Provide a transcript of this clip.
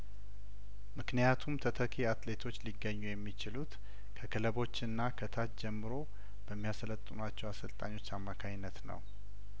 ምክንያቱም ተተኪ አትሌቶች ሊገኙ የሚችሉት ከክለቦችና ከታች ጀምሮ በሚያሰለጥ ኗቸው አሰልጣኞች አማካኝነት ነው